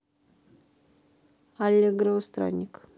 аллегрова странник